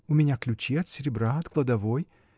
У меня ключи от серебра, от кладовой.